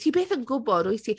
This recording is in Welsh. Ti byth yn gwbod wyt ti?